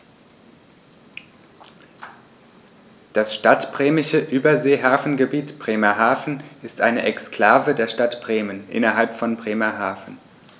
Das Stadtbremische Überseehafengebiet Bremerhaven ist eine Exklave der Stadt Bremen innerhalb von Bremerhaven.